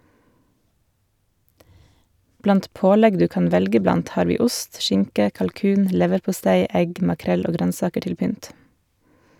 Blant pålegg du kan velge blant har vi ost, skinke, kalkun, leverpostei, egg, makrell og grønnsaker til pynt.